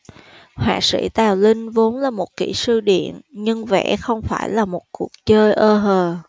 họa sĩ tào linh vốn là một kỹ sư điện nhưng vẽ không phải là một cuộc chơi ơ hờ